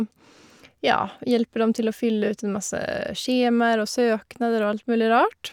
Ja, hjelper dem til å fylle ut en masse skjemaer og søknader og alt mulig rart.